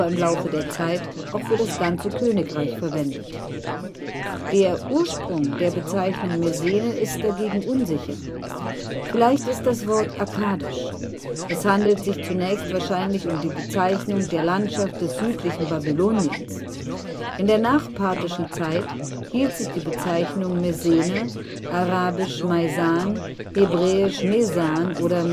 Laufe der Zeit auch für das ganze Königreich verwendet. Der Ursprung der Bezeichnung Mesene ist dagegen unsicher. Vielleicht ist das Wort akkadisch. Es handelt sich zunächst wahrscheinlich um die Bezeichnung der Landschaft des südlichen Babyloniens. In der nachparthischen Zeit hielt sich die Bezeichnung Mesene (arabisch Maisan, hebräisch Mesan oder